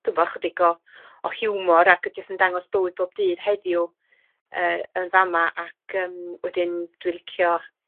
dw'mbo chydig o o hiwmor ac y jyst yn dangos bywyd bob dydd heddiw yy yn fama ac yym wedyn dwi licio